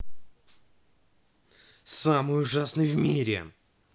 самый ужасный в мире